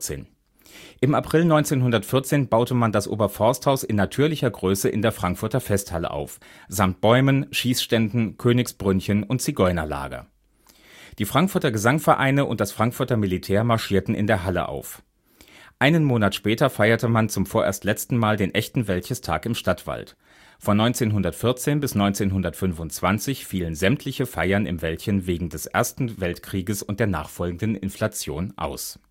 Im April 1914 baute man das Oberforsthaus in natürlicher Größe in der Frankfurter Festhalle auf, samt Bäumen, Schießständen, Königsbrünnchen und Zigeunerlager. Die Frankfurter Gesangvereine und das Frankfurter Militär marschierten in der Halle auf. Einen Monat später feierte man zum vorerst letzten Mal den echten Wäldchestag im Stadtwald: Von 1914 bis 1925 fielen sämtliche Feiern im Wäldchen wegen des Ersten Weltkrieges und der nachfolgenden Inflation aus